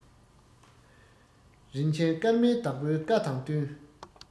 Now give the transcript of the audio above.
རིན ཆེན སྐར མའི བདག པོའི བཀའ དང བསྟུན